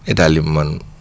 état li mu mën